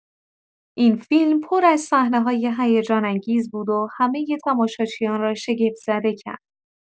این فیلم پر از صحنه‌های هیجان‌انگیز بود و همه تماشاچیان را شگفت‌زده کرد.